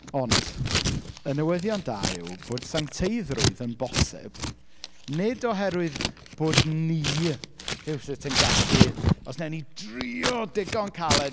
Ond y newyddion da yw bod sancteiddrwydd yn bosib, nid oherwydd bod ni rhywsut yn gallu, os wnewn ni drio digon caled...